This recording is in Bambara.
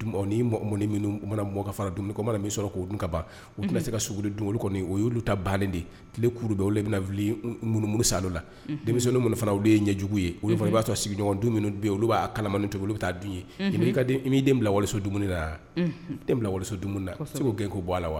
Ni minnu mana mɔgɔ fara don mana min sɔrɔ k'o dun ka ban u se ka s don kɔni o y'olu ta ban de tile kuru bɛna filiummuru sa la den minnu fana olu ye ɲɛjugu ye o fɔ i b'a sɔrɔ sigiɲɔgɔn minnu olu b'a kalamani to olu bɛ taa dun ye i' den bila waliso dumuni da yan den bila waliso dumuni da segu gɛn k' bɔ a la wa